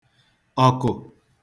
ọkụ̀